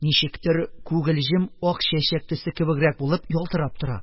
Ничектер, күгелҗем ак чәчәк төсе кебегрәк булып ялтырап тора.